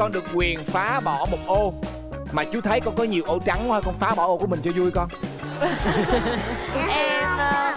có được quyền phá bỏ một ô mà chú thấy con có nhiều ô trắng quá con phá bỏ của mình cho vui con em